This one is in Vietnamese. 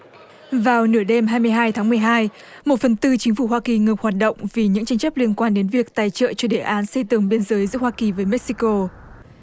vào nửa đêm hai mươi hai tháng mười hai một phần tư chính phủ hoa kỳ ngừng hoạt động vì những tranh chấp liên quan đến việc tài trợ cho đề án xây tường biên giới giữa hoa kỳ với mếch xi cô